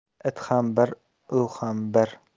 it ham bir u ham bir